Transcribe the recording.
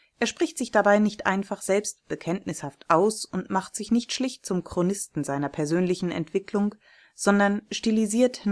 Er spricht sich dabei nicht einfach selbst bekenntnishaft aus und macht sich nicht schlicht zum Chronisten seiner persönlichen Entwicklung, sondern stilisiert